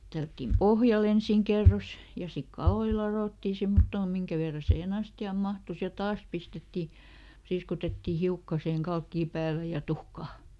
tällättiin pohjalle ensin kerros ja sitten kaloja ladottiin semmottoon minkä verran siihen astiaan mahtui ja taas pistettiin priiskutettiin hiukka siihen kalkkia päälle ja tuhkaa